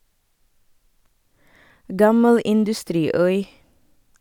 Gammel industriøy.